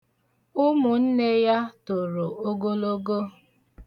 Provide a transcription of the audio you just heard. Ụmụnne ya toro ogologo.